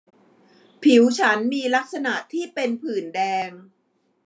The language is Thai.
ผิวฉันมีลักษณะที่เป็นผื่นแดง